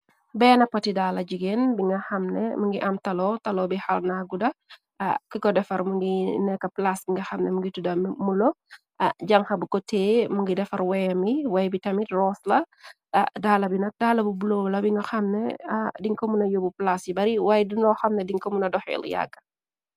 Beena pati daala jigeen bi nga xamne mi ngi am taloo. Taloo bi xarna guda ki ko defar mu ngi nekk plaas bi nga xamne. Mu ngi tudda mu lo jamxabu ko tee. Mu ngi defar woyemi way bi tamit rossla daala bi nag daala bu bloow la. Bi nga xamne diñ ko mu na yobbu plaas yi bari. Waaye dino xamne diñ ko muna doxeel yàgga.